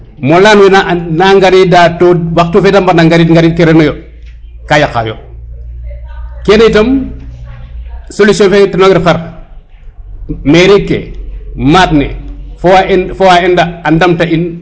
molaan we na ngarida to waxtu fe de mbarna nagrid ngarid kirano yo ka yaqa yo kene itam solution fe it ten waag ref xar mairie maat ne fo wa ENDA a ndam ta in